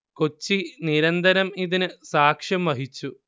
കൊച്ചി നിരന്തരം ഇതിനു സാക്ഷ്യം വഹിച്ചു